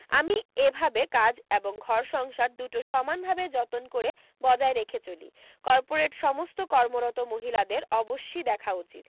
আমি এ ভাবে কাজ এবং ঘরসংসার দুটো সমান ভাবে যতন করে বজায় রেখে চলি কর্পোরেট সমস্ত কর্মরত মহিলাদের অবশ্যি দেখা উচিত